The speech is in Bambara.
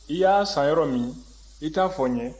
i y'a san yɔrɔ min i t'a fɔ n ye